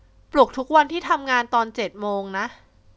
ปลุกทุกวันที่ทำงานตอนเจ็ดโมงนะ